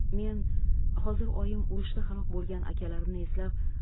men hozir oyim urushda halok bo'lgan akalarimni eslab